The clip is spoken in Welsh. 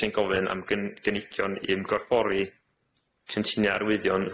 sy'n gofyn am gyn- gynigion i ymgorffori cynllunio arwyddion